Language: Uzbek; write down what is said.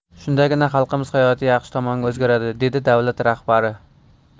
shundagina xalqimiz hayoti yaxshi tomonga o'zgaradi dedi davlat rahbari